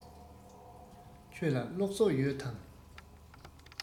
ཁྱོད ལ གློག བསོགས ཡོད དམ